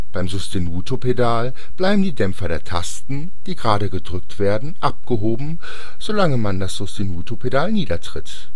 Beim Sostenuto-Pedal bleiben die Dämpfer der Tasten, die gerade gedrückt werden, abgehoben, solange man das Sostenuto-Pedal niedertritt